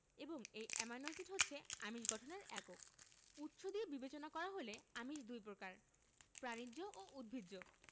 এবং এই amino acid হচ্ছে আমিষ গঠনের একক উৎস দিয়ে বিবেচনা করা হলে আমিষ দুই প্রকার প্রাণিজ ও উদ্ভিজ্জ